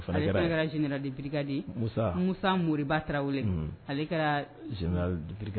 Kɛra jina diprikadi musa mba tarawele ale kɛra